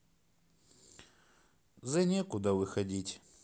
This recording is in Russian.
the никуда выходить